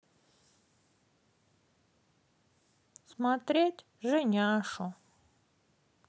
смотреть женяшу